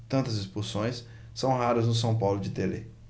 tantas expulsões são raras no são paulo de telê